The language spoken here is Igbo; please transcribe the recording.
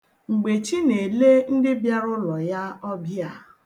Mgbechi na-ele ndị bịara ụlọ ya ọbịa.